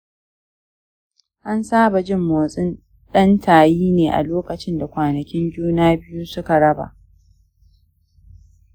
an saba jin motsin ɗan-tayi ne a lokacin da kwanakin juna-biyu su ka raba